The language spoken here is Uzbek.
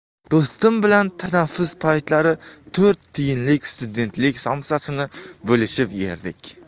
do'stim bilan tanaffus paytlari to'rt tiyinlik studentlik somsasini bo'lishib yerdik